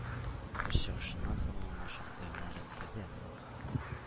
Бер чыгышыннан соң аңа шактый гына эләкте дә.